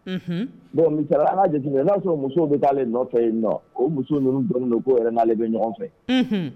Bon misaliya an k'a jate minɛ n'a y'a sɔrɔ musow bɛ taa ale nɔfɛ yen ninɔ o muso ninnu dɔ ko yɛrɛ n'ale bɛ ɲɔgɔn fɛ, unhun!